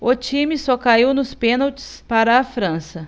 o time só caiu nos pênaltis para a frança